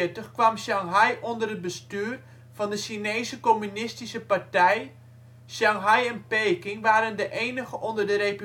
Shanghai onder het bestuur van de Chinese Communistische Partij. Shanghai en Peking waren de enige onder